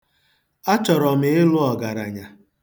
Achọrọ m ịlụ ọgaranya.